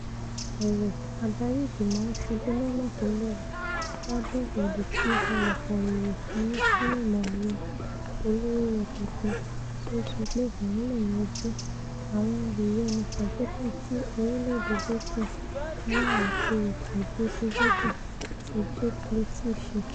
Ẹ̀wẹ̀, adarí ìgbìmọ̀ ìjọba ǹsubú lọ́nà tóléwu lábẹ̵́ èèdì ti ọlọ̀pọ̀-èrò oníṣẹ́ ìmọ̀-ẹ̀rọ olówó rẹpẹtẹ tí ó sọ pé òun leè yanjú awọn ìyọnu kọ̀m̀pútà ti orílẹ̀-èdè Britain: aláàrékérekè Jason Volta, tí Jake Lacy ṣe.